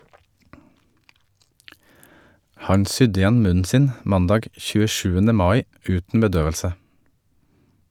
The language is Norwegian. - Han sydde igjen munnen sin mandag 27. mai uten bedøvelse.